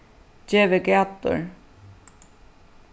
gevið gætur